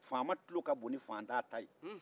faama tulo ka bon ni faantan ta ye